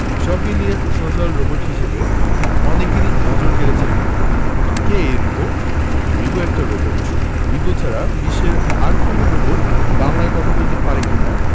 সব মিলিয়ে social robot হিসেবে অনেকেরই নজর কেড়েছে রিবো কে এই রিবো রিবো একটা রোবট রিবো ছাড়া বিশ্বের আর কোনো রোবট বাংলায় কথা বলতে পারে কি না